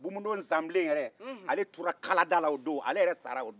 bumudo zanbilen yɛrɛ ale tora kala da la o don ala yɛrɛ sara o don